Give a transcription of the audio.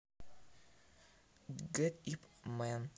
get up man